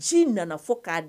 Chine nana fo k'a